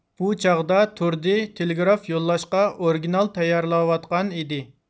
بۇ چاغدا تۇردى تېلېگراف يوللاشقا ئورىگىنال تەييارلاۋاتقان ئىدى